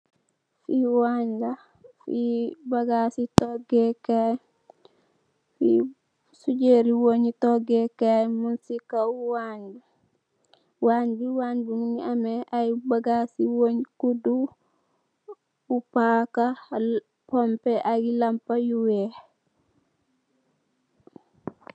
Wanj la bagas toge kai ai bagase kodu, wonj ak lampa yu wekh.